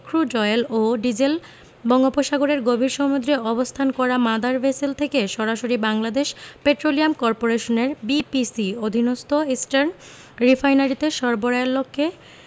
crude oil ও diesel বঙ্গোপসাগরের গভীর সমুদ্রে অবস্থান করা মাদার ভেসেল থেকে সরাসরি বাংলাদেশ পেট্রোলিয়াম করপোরেশনের বিপিসি অধীনস্থ ইস্টার্ন রিফাইনারিতে সরবরাহের লক্ষ্যে